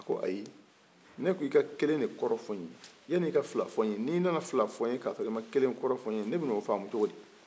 a ko ayi ne ko i kelen de kɔrɔfɔ n ye ni nana fila fɔ n ye nka sɔrɔ i ma kelen kɔrɔfɔ ne bina o faamu cogo di